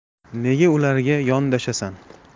nega ularga yondashasan